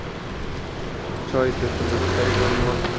choy to'kilib soy bo'lmas